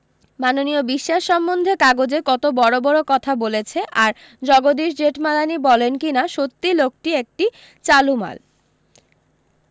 মাননীয় বিশ্বাস সম্বন্ধে কাগজে কত বড় বড় কথা বলেছে আর জগদীশ জেঠমালানি বলেন কিনা সত্যি লোকটি একটি চালু মাল